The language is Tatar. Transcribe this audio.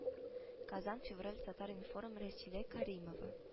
Казан февраль татар-информ рәсилә кәримова